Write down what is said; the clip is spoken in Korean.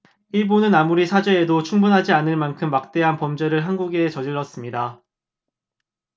일본은 아무리 사죄해도 충분하지 않을 만큼 막대한 범죄를 한국에 저질렀습니다